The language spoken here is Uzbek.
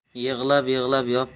yig'lab yig'lab yop